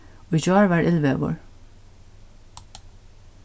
í gjár var illveður